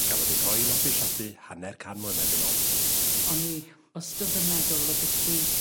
...gafodd ei rhoi i mabwysiadu hanner can mlynedd yn ôl. O'n i wastod yn meddwl o biti